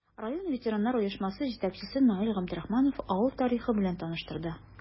Район ветераннар оешмасы җитәкчесе Наил Габдрахманов авыл тарихы белән таныштырды.